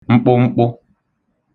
mkpụmkpụ